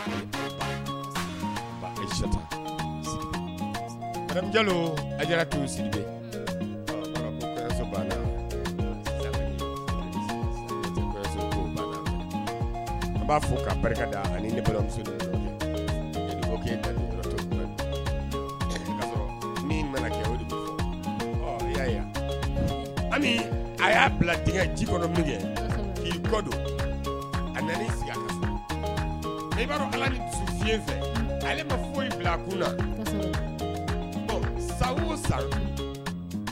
Ja ba fɔ barikamuso mana a y'a bila ji min kɛ k' kɔ a nana si foyi bila a kun